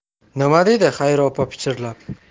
nima dedi xayri opa pichirlab